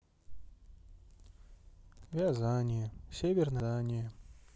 вязание северное вязание